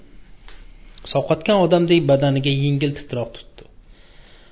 sovqatgan odamday badaniga yengil titroq turdi